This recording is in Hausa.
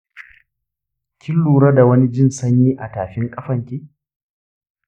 kin lura da wani jin sanyi a tafin kafanki?